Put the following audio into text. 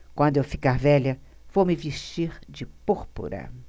quando eu ficar velha vou me vestir de púrpura